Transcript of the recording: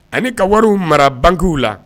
Ani ka wariw mara bangew la